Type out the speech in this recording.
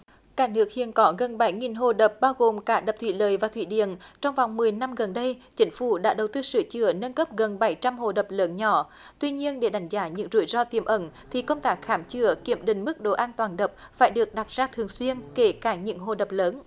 cả nước hiện có gần bảy nghìn hồ đập bao gồm cả đập thủy lợi và thụy điển trong vòng mười năm gần đây chính phủ đã đầu tư sửa chữa nâng cấp gần bảy trăm hồ đập lớn nhỏ tuy nhiên để đánh giá những rủi ro tiềm ẩn thì công tác khám chữa kiểm định mức độ an toàn đập phải được đặt ra thường xuyên kể cả những hồ đập lớn